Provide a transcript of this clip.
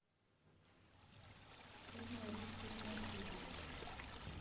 фильмы рижской киностудии